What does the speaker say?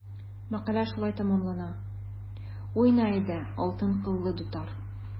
Мәкалә шулай тәмамлана: “Уйна, әйдә, алтын кыллы дутар!"